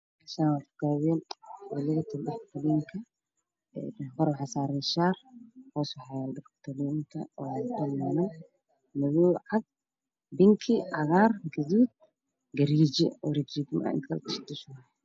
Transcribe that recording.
Meshaan waa carwo waween loogu tolo dharka waweenak Kor waxaa saran shaar hoos waxaa yaala dhar madow cad pinki cagaar guduud garije jiidjiidma dusha ku leh